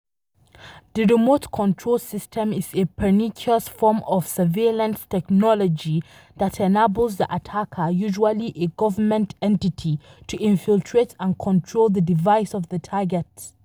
The Remote Control System is a pernicious form of surveillance technology that enables the attacker, usually a government entity, to infiltrate and control the device of the target.